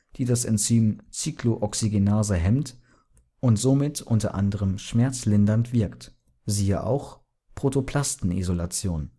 die das Enzym Cyclooxygenase hemmt und somit unter anderem schmerzlindernd wirkt. Siehe auch: Protoplastenisolation